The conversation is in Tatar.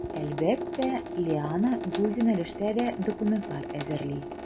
Әлбәттә, Лиана бу юнәлештә дә документлар әзерли.